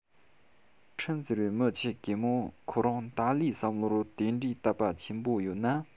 ཁྲེན ཟེར བའི མི ཆེ གེ མོ ཁོ རང ཏཱ ལའི ཡི བསམ བློར དེ འདྲའི དད པ ཆེན པོ ཡོད ན